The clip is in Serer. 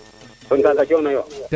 comme kaga coono yo